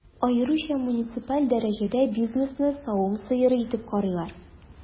Аеруча муниципаль дәрәҗәдә бизнесны савым сыеры итеп карыйлар.